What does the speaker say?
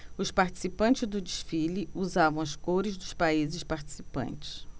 os participantes do desfile usavam as cores dos países participantes